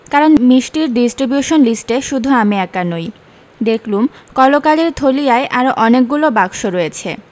কারণ মিষ্টির ডিস্ট্রিবিউশন লিষ্টে শুধু আমি একা নই দেখলুম কলকালির থলিয়ায় আরো অনেকগুলো বাক্স রয়েছে